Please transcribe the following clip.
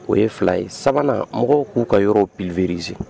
O ye fila ye sabanan mɔgɔw k'u ka yɔrɔ bivirizsi